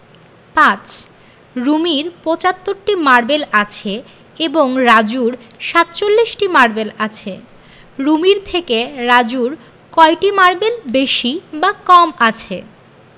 ৫ রুমির ৭৫টি মারবেল আছে এবং রাজুর ৪৭টি মারবেল আছে রুমির থেকে রাজুর কয়টি মারবেল বেশি বা কম আছে